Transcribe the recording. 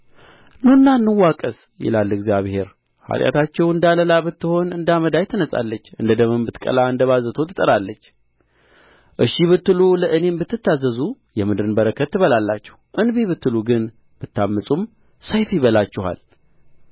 ኑና እንዋቀስ ይላል እግዚአብሔር ኃጢአታችሁ እንደ አለላ ብትሆን እንደ አመዳይ ትነጻለች እንደ ደምም ብትቀላ እንደ ባዘቶ ትጠራለች እሺ ብትሉ ለእኔም ብትታዘዙ የምድርን በረከት ትበላላችሁ እምቢ ብትሉ ግን ብታምፁም ሰይፍ ይበላችኋል